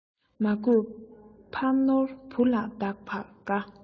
མ བཀོད ཕ ནོར བུ ལ བདག པ དཀའ